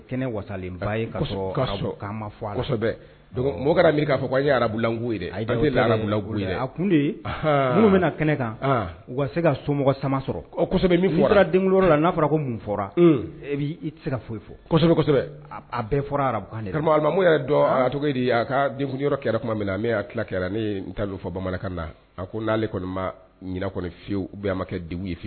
Kɛnɛ wasa k'a fɔ arabulan arabu a kun de minnu bɛna kɛnɛ kan u se ka somɔgɔ sama sɔrɔsɔ min fɔ la n'a fɔra ko mun fɔra e b i tɛ se ka foyi fɔsɔ kosɛbɛ a bɛɛ fɔra arabumu yɛrɛ cogo a ka kɛra tuma min na tila kɛra ne fɔ bamanankan na a ko n'ale kɔni ma ɲ fiye u bɛ a ma kɛye